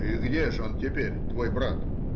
— И где же он теперь, твой брат?